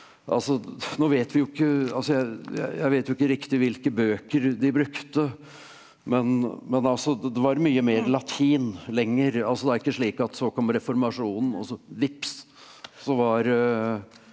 altså nå vet vi jo ikke altså jeg jeg jeg vet jo ikke riktig hvilke bøker de brukte men men altså det var mye mer latin lenger altså det er ikke slik at så kom reformasjonen og så vips så var .